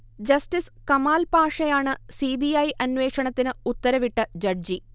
justice Kamal പാഷയാണ് CBI അന്വേഷണത്തിന് ഉത്തരവിട്ട ജഡ്ജി